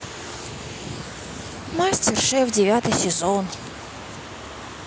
мастер шеф девятый сезон